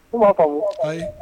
Kuma'a ko ayi